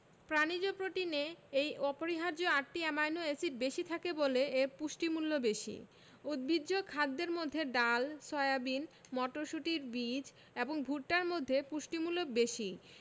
প্রাণিজ প্রোটিনে এই অপরিহার্য আটটি অ্যামাইনো এসিড বেশি থাকে বলে এর পুষ্টিমূল্য বেশি উদ্ভিজ্জ খাদ্যের মধ্যে ডাল সয়াবিন মটরশুটি বীজ এবং ভুট্টার মধ্যে পুষ্টিমূল্য বেশি